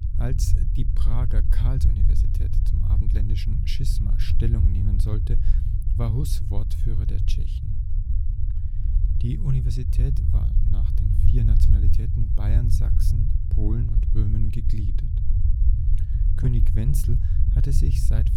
Als die Prager Karls-Universität zum Abendländischen Schisma Stellung nehmen sollte, war Hus Wortführer der Tschechen. Die Universität war nach den vier „ Nationalitäten “Bayern, Sachsen, Polen und Böhmen gegliedert. König Wenzel hatte sich seit